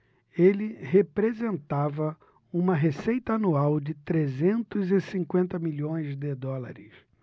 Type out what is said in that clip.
ele representava uma receita anual de trezentos e cinquenta milhões de dólares